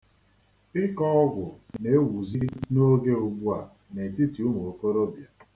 Ịkọ ọgwụ na-ewuzi n'oge ugbua n'etiti ụmụokorobịa.